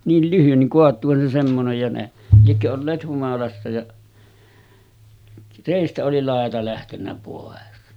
niin lyhyt niin kaatuuhan se semmoinen ja ne liekö olleet humalassa ja reistä oli laita lähtenyt pois